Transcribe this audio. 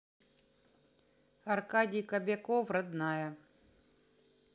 аркадий кобяков родная